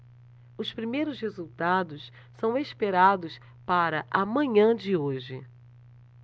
os primeiros resultados são esperados para a manhã de hoje